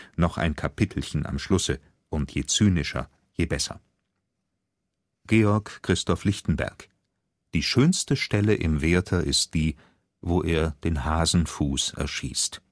noch ein Kapitelchen am Schlusse; und je zynischer je besser! […] Georg Christoph Lichtenberg: Die schönste Stelle im „ Werther “ist die, wo er den Hasenfuß erschießt